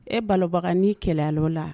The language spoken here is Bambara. E balobaga ni kɛlɛ la